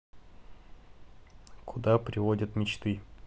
куда приводят мечты